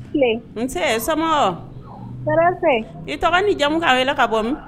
Nse sama i tɔgɔ ni jamumu' wele ka bɔ min